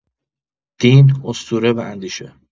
دین، اسطوره و اندیشه